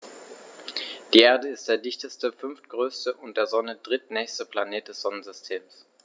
Die Erde ist der dichteste, fünftgrößte und der Sonne drittnächste Planet des Sonnensystems.